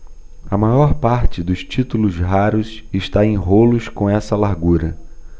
a maior parte dos títulos raros está em rolos com essa largura